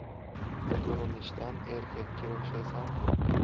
ko'rinishdan erkakka o'xshaysanku